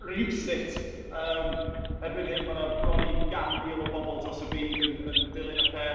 Rywsut, yym, erbyn hyn, ma' 'na bron i gan mil o bobl dros y byd yn, yn dilyn y peth.